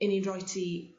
'yn ni'n roi ti